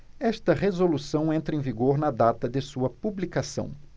esta resolução entra em vigor na data de sua publicação